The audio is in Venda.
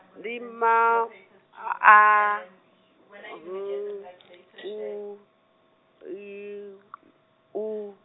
ndi M, a- A, uh- N, U, L, U.